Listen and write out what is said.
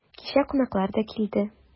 Кичә кунаклар да килде.